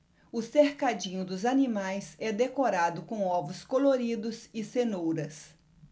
o cercadinho dos animais é decorado com ovos coloridos e cenouras